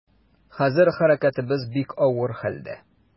Хәзер хәрәкәтебез бик авыр хәлдә.